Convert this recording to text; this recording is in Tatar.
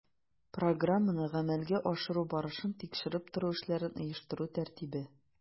Программаны гамәлгә ашыру барышын тикшереп тору эшләрен оештыру тәртибе